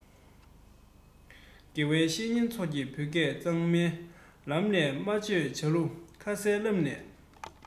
དགེ བའི བཤེས གཉེན སོགས ཀྱི བོད སྐད གཙང མའི ལམ ལས སྨྲ བརྗོད བྱ ལུགས ཁ གསལ བསླབ ནས